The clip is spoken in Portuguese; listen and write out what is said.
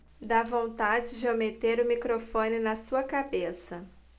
dá vontade de eu meter o microfone na sua cabeça